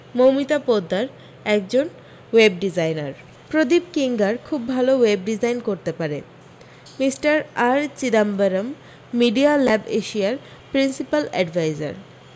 মৌমিতা পোদ্দার একজন web designer Pradeep কিংগার খুব ভালো ওয়েব ডিজাইন করতে পারে mister R Chidambaram media lab এশিয়ার প্রিন্সিপাল অ্যাডভাইজার